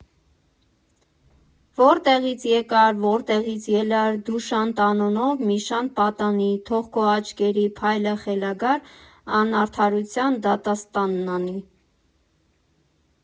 Որտեղի՞ց եկար, որտեղի՞ց ելար, դու Շանթ անունով մի շանթ պատանի, թող քո աչքերի փայլը խելագար անարդարության դատաստանն անի…